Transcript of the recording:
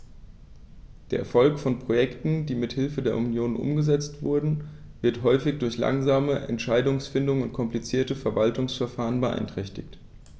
Der Erfolg von Projekten, die mit Hilfe der Union umgesetzt werden, wird häufig durch langsame Entscheidungsfindung und komplizierte Verwaltungsverfahren beeinträchtigt.